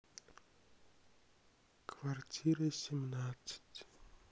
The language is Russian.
квартира семнадцать